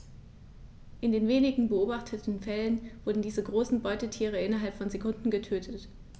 In den wenigen beobachteten Fällen wurden diese großen Beutetiere innerhalb von Sekunden getötet.